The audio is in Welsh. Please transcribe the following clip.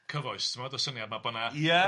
cyfoes, timod y syniad yma bod na